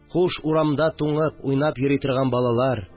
Хуш, урамнарда туңып уйнап йөри торган балалар